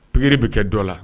Pikiri bɛ kɛ dɔ la